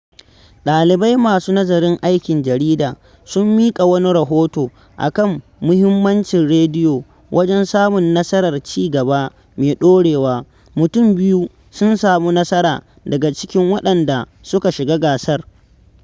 ɗalibai masu nazarin aikin jarida sun miƙa wani rahoto a kan muhimmancin rediyo wajen samun nasarar ci-gaba mai ɗorewa. Mutum biyu sun samu nasara daga cikin waɗanda suka shiga gasar.